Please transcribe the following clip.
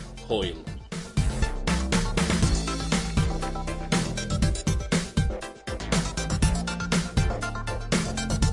Hwyl.